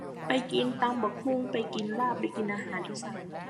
ไปกินตำบักหุ่ง ไปกินลาบ ไปกินอาหารอีสาน